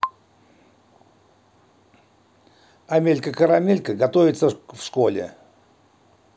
амелька карамелька готовился в школе